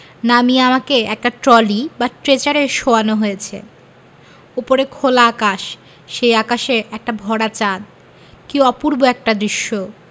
নামিয়ে আমাকে একটা ট্রলি বা স্ট্রেচারে শোয়ানো হয়েছে ওপরে খোলা আকাশ সেই আকাশে একটা ভরা চাঁদ কী অপূর্ব একটি দৃশ্য